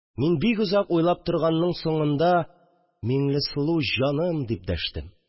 Мин бик озак уйлап торганның соңында: «Миңлесылу җаным!» – дип дәштем